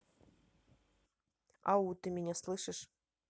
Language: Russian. ау ты меня слышишь